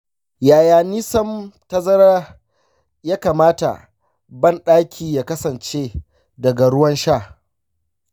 yaya nisan tazara ya kamata ban-ɗaki ya kasance daga ruwan sha?